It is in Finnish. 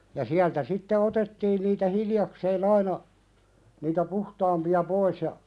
ja sieltä sitten otettiin niitä hiljakseen aina niitä puhtaampia pois ja